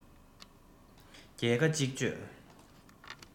བརྒྱ ཁ གཅིག གཅོད